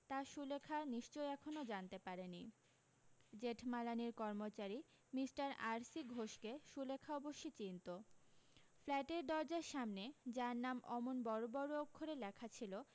তা সুলেখা নিশ্চয় এখনও জানতে পারে নি জেঠমালানির কর্মচারী মিষ্টার আর সি ঘোষকে সুলেখা অবশ্যি চিনতো ফ্ল্যাটের দরজার সামনে যার নাম অমন বড় বড় অক্ষরে লেখা ছিল